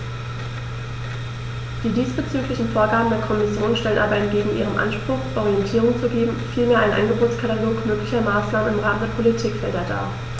Die diesbezüglichen Vorgaben der Kommission stellen aber entgegen ihrem Anspruch, Orientierung zu geben, vielmehr einen Angebotskatalog möglicher Maßnahmen im Rahmen der Politikfelder dar.